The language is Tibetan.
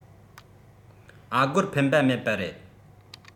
ཨ སྒོར ཕན པ མེད པ རེད